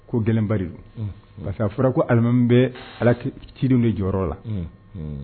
Ko gɛlɛnbari parce que a fɔra ko alima bɛ ala ciw de jɔyɔrɔ la